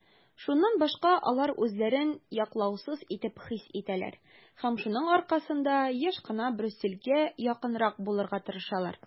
Шуннан башка алар үзләрен яклаусыз итеп хис итәләр һәм шуның аркасында еш кына Брюссельгә якынрак булырга тырышалар.